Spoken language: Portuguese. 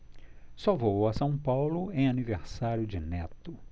só vou a são paulo em aniversário de neto